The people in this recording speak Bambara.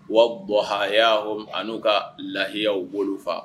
a n'u ka lahiyaw u b'olu faa